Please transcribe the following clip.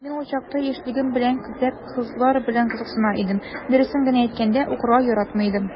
Мин ул чакта, яшьлегем белән, күбрәк кызлар белән кызыксына идем, дөресен генә әйткәндә, укырга яратмый идем...